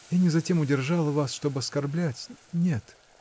Я не за тем удержала вас, чтоб оскорблять — нет!